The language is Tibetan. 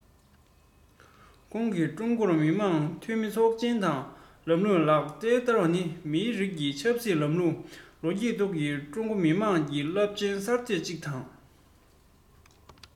ཁོང གིས ཀྲུང གོར མི དམངས འཐུས མི ཚོགས ཆེན གྱི ལམ ལུགས ལག ལེན བསྟར བ ནི མིའི རིགས ཀྱི ཆབ སྲིད ལམ ལུགས ལོ རྒྱུས ཐོག གི ཀྲུང གོ མི དམངས ཀྱི རླབས ཆེའི གསར གཏོད ཅིག དང